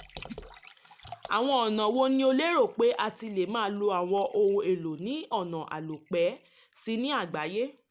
Àwọn ọ̀nà wo ni o lérò pé a ti lè máa lo àwọn ohun èlò ní ọ̀nà àlòpẹ́ síi ní àgbáyé?